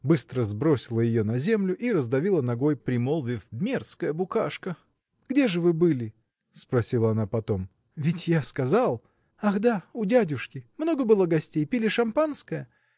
быстро сбросила ее на землю и раздавила ногой промолвив Мерзкая букашка! – Где же вы были? – спросила она потом. – Ведь я сказал. – Ах да! у дядюшки. Много было гостей? Пили шампанское?